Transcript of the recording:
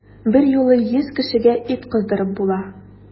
Берьюлы йөз кешегә ит кыздырып була!